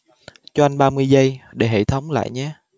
cho anh ba mươi giây để hệ thống lại nhé